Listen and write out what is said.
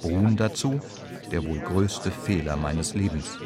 (Bruhn: „ Der wohl größte Fehler meines Lebens